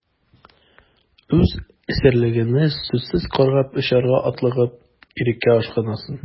Үз әсирлегеңне сүзсез каргап, очарга атлыгып, иреккә ашкынасың...